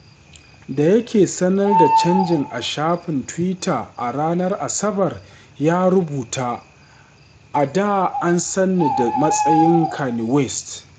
Da yake sanar da canjin a shafin Twitter a ranar Asabar, ya rubuta: “A da an san ni a matsayin Kanye West.”